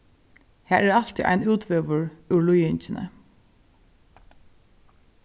har er altíð ein útvegur úr líðingini